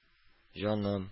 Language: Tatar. Җаным